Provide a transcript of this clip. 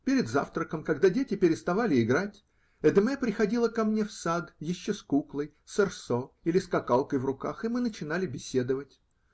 Перед завтраком, когда дети переставали играть, Эдмэ приходила ко мне в сад, еще с куклой, серсо или скакалкой в руках, и мы начинали беседовать.